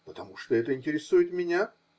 -- Потому что это интересует меня.